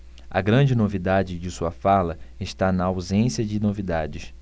a grande novidade de sua fala está na ausência de novidades